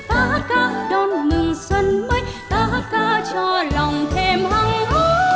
ta hát ca đón mừng xuân mới ta hát ca cho lòng thêm hăng hái